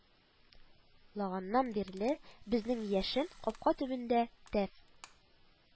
Лаганнан бирле, безнең «яшен» капка төбендә «тәф